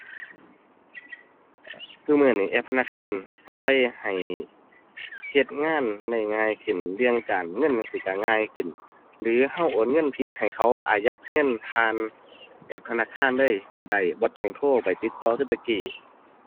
ซุมื้อนี้แอปธนาคารช่วยให้เฮ็ดงานได้ง่ายขึ้น เรื่องการเงินจั่งซี้ช่วยง่ายขึ้น หรือช่วยโอนเงินผิดให้เขาอายัดเงินผ่านแอปธนาคารเลยช่วยได้ บ่ต้องโทรไปติดต่อคือแต่กี้